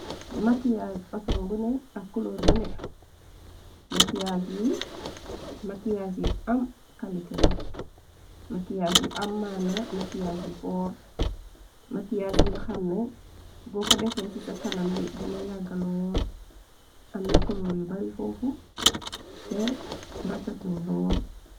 Makiyaas fasong bune, ak kuloor bune. Makiyas yi am kàlite leeñ, makias yi am maana. Makiyas yu foor, makiyaas yi nga xam ne boo ko defee ci ca kanam bi dina yàggalool. Am na kuloor yu bari foofu te refet nen lool.